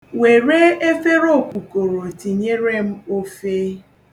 Were efere okukoro tinyere m ofe.